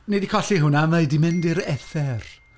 Ni 'di colli hwnna, mae 'di mynd i'r ether.